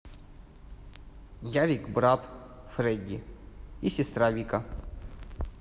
ярик брат фредди и сестра вика